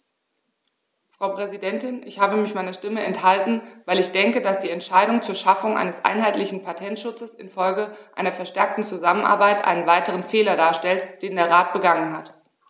Frau Präsidentin, ich habe mich meiner Stimme enthalten, weil ich denke, dass die Entscheidung zur Schaffung eines einheitlichen Patentschutzes in Folge einer verstärkten Zusammenarbeit einen weiteren Fehler darstellt, den der Rat begangen hat.